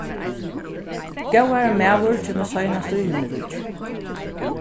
góðvarin maður kemur seinastur í himmiríki